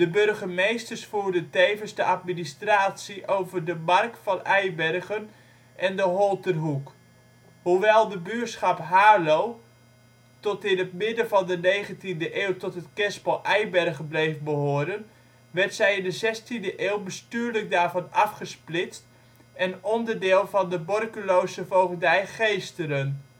burgemeesters voerden tevens de administratie over de mark van Eibergen en de Holterhoek. Hoewel de buurschap Haarlo tot in het midden van de negentiende eeuw tot het kerspel Eibergen bleef behoren, werd zij in de 16e eeuw bestuurlijk daarvan afgesplitst en onderdeel van de Borculose voogdij Geesteren